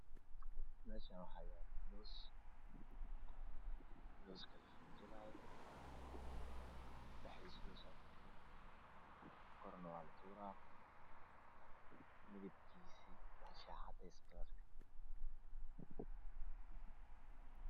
Meeshaan waxaa yaalo loos oo lafinjilaayo midabkiisu waa shaax cadeys.